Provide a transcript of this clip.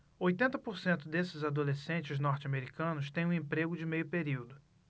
oitenta por cento desses adolescentes norte-americanos têm um emprego de meio período